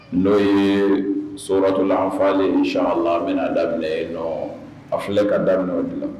N'o ye soratul la anfali ye inchaallah an bɛn'a daminɛ ye nɔɔ a filɛ ka daminɛ o de la